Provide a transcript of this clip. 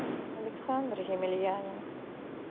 александр емельяненко